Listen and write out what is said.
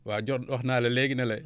waaw jo wax naa la léegi ne la